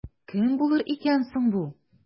Кем булыр икән соң бу?